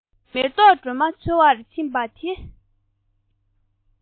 མེ ཏོག སྒྲོན མ འཚོལ བར ཕྱིན པ དེ